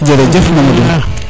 jerejef Mamadou